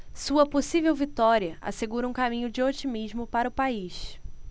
sua possível vitória assegura um caminho de otimismo para o país